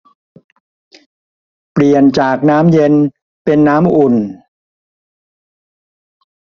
เปลี่ยนจากน้ำเย็นเป็นน้ำอุ่น